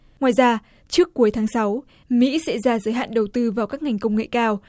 ngoài ra trước cuối tháng sáu mỹ sẽ ra giới hạn đầu tư vào các ngành công nghệ cao